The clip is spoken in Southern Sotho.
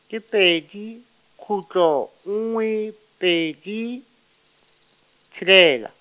ke pedi, kgutlo nngwe pedi, tshelela.